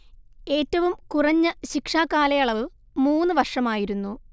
ഏറ്റവും കുറഞ്ഞ ശിക്ഷാ കാലയളവ് മൂന്നു വർഷമായിരുന്നു